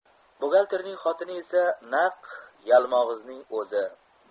buxgalterning xotini esa naq yalmog'izning o'zi